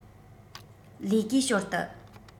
ལས ཀའི ཞོར དུ